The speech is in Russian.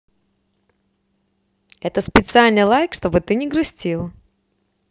это специальный лайк чтобы ты не грустил